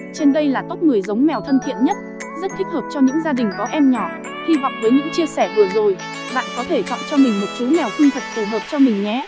trên đây là top giống mèo thân thiện nhất rất thích hợp cho những gia đình có em nhỏ hy vọng với những chia sẻ vừa rồi bạn có thể chọn cho mình một chú mèo cưng thật phù hợp cho mình nhé